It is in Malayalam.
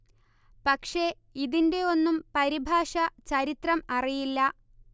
പക്ഷെ ഇതിന്റെ ഒന്നും പരിഭാഷ ചരിത്രം അറിയില്ല